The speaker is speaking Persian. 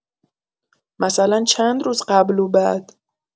مثلا چند روز قبل و بعد؟